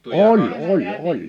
oli oli oli oli